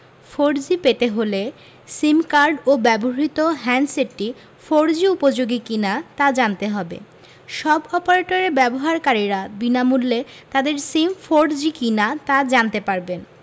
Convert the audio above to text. four G পেতে হলে SIM card ও ব্যবহৃত হ্যান্ডসেট ফোরজি উপযোগী কিনা তা জানতে হবে সব অপারেটরের ব্যবহারকারীরা বিনামূল্যে তাদের সিম ফোরজি কিনা তা জানতে পারবেন